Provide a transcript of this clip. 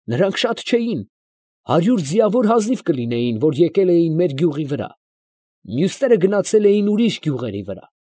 Նրանք շատ չէին, հարյուր ձիավոր հազիվ կլինեին, որ եկել էին մեր գյուղի վրա. մյուսները գնացել էին ուրիշ գյուղերի վրա։